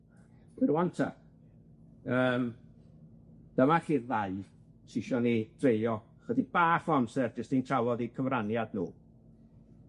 Rŵan ta, yym dyma chi'r ddau sy isio ni dreulio chydig bach o amser jyst i'n trafod 'u cyfraniad nw.